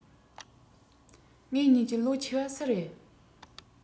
ངེད གཉིས ཀྱི ལོ ཆེ བ སུ རེད